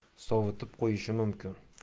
sovitib qo'yishi mumkin